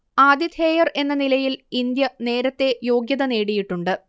ആതിഥേയർ എന്ന നിലയിൽ ഇന്ത്യ നേരത്തെ യോഗ്യത നേടിയിട്ടുണ്ട്